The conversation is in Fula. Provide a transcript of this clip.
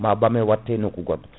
ma ɓame watte nokku goɗɗo